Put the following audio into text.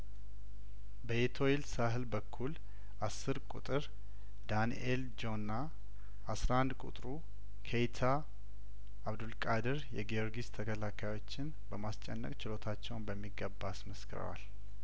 በኤቶይል ሳህል በኩል አስር ቁጥር ዳንኤል ጆና አስራ አንድ ቁጥሩ ኬይታ አብዱል ቃድር የጊዮርጊስ ተከላካዮችን በማስጨነቅ ችሎታቸውን በሚገባ አስመስክረዋል